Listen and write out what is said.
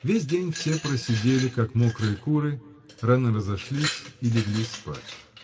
Весь день все просидели, как мокрые куры, рано разошлись и легли спать.